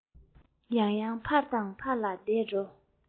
ཡང ཡང ཕར དང ཕར ལ བདས འགྲོ